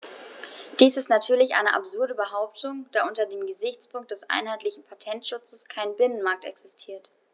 Dies ist natürlich eine absurde Behauptung, da unter dem Gesichtspunkt des einheitlichen Patentschutzes kein Binnenmarkt existiert.